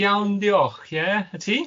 Iawn, diolch, ie, a ti?